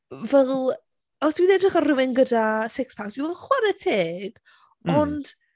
fel... os dwi'n edrych ar rywun gyda six pack dwi fel "chwarae teg"... mm ...ond...